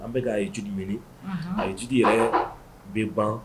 An bɛ ka étude de kɛ. A étude yɛrɛ bɛ ban